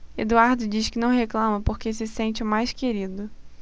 eduardo diz que não reclama porque se sente o mais querido